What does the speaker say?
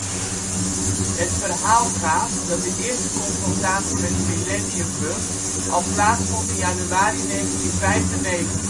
verhaal gaat dat de eerste confrontatie met de millenniumbug al plaats vond in januari 1995. Bij